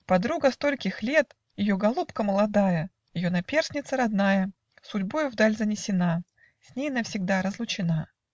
подруга стольких лет, Ее голубка молодая, Ее наперсница родная, Судьбою вдаль занесена, С ней навсегда разлучена.